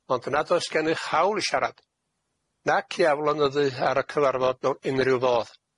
Ond nad oes gennych hawl i siarad, nac i aflonyddu ar y cyfarfod mewn unrhyw fodd.